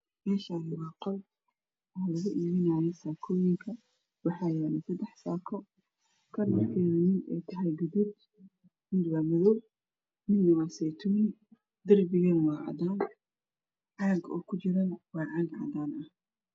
Meshan waa qol oo lagu ibinayo sakoyin wana sedax sako kalar kode yahay gadud iyo madow iyo seytuun darbiga waa cadan caagna cadan